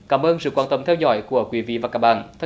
cảm ơn sự quan tâm theo dõi của quý vị và các bạn